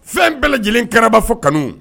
Fɛn bɛɛ lajɛlen kɛra fɔ kanu.